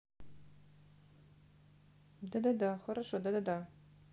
да да да хорошо да да